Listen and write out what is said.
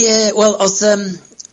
Ie, wel, odd yym,